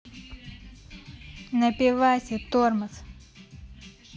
на пивасе тормоз